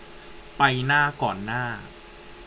ไปหน้าก่อนหน้า